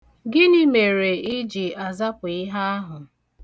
Gịnị mere ị ji azapụ ihe ahụ?